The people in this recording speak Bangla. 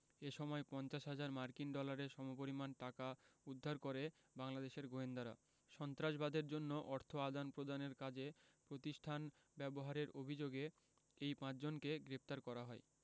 এ সময় ৫০ হাজার মার্কিন ডলারের সমপরিমাণ টাকা উদ্ধার করে বাংলাদেশের গোয়েন্দারা সন্ত্রাসবাদের জন্য অর্থ আদান প্রদানের কাজে প্রতিষ্ঠান ব্যবহারের অভিযোগে এই পাঁচজনকে গ্রেপ্তার করা হয়